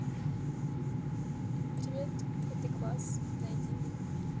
привет пятый класс найди мне